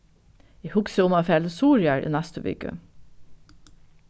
eg hugsi um at fara til suðuroyar í næstu viku